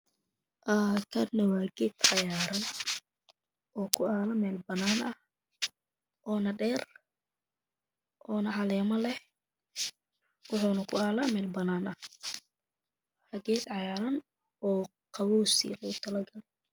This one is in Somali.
Kana waa geed cagaaran oo kuyalo meel banaan ah oona dheer oona caleema leh wuxuuna ku yalaa meel banan ah waa geed cagaarn oo qabowsi loogu tala galay